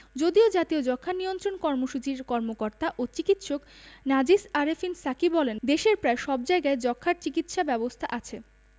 যদিও জাতীয় যক্ষ্মা নিয়ন্ত্রণ কর্মসূচির কর্মকর্তা ও চিকিৎসক নাজিস আরেফিন সাকী বলেন দেশের প্রায় সব জায়গায় যক্ষ্মার চিকিৎসা ব্যবস্থা আছে